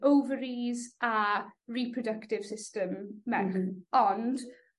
oferis a reproductive system merch ond